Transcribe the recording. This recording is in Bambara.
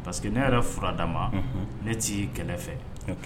Parceseke ne yɛrɛ fura da ma ne t' kɛlɛ fɛ